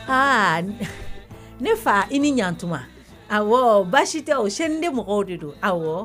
Aa ne fa i ni ɲtuma a baasi tɛ o se den mɔgɔw de don aw